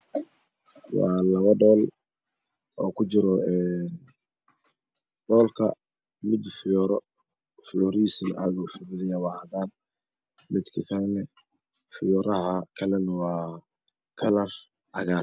Waa labo dhool, oo ku jiro dhoolka weji xiyooro firoorihiisana aad u fudud yahay waana cadaan fiyooraha kalena karar caraar.